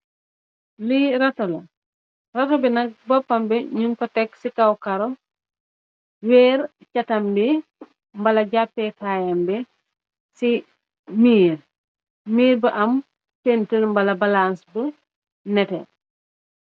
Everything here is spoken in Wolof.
Li rato la, rato bi nak bópam bi ñing ko tek ci kaw karó, wer cet tam bi wala japee kayam bi ci miir. Miir bu am pentir mbala balas mu netteh.